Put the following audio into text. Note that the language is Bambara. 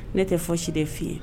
Ne tɛ fɔ si de'i ye